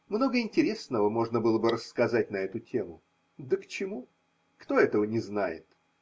Много интересного можно было бы рассказать на эту тему. Да к чему? Кто этого не знает?